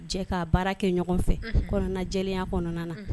K'a baara kɛ ɲɔgɔn fɛ kɔnɔnajɛ kɔnɔna na